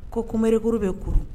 Ko komorikuru bɛ kun